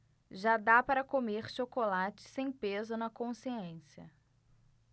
já dá para comer chocolate sem peso na consciência